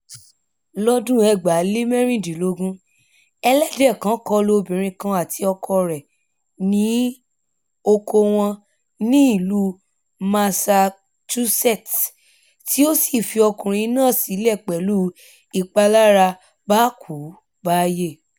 Lọ́dún 2016, ẹlẹ́dẹ̀ kan kọlu obìnrin kan àti ọkọ rẹ̀ ní oko wọn ní ìlú Massachusetts, tí ò sì fi ọkùnrin náà sílẹ pẹ̀lú àwọn ìpalára báákú-bááyè.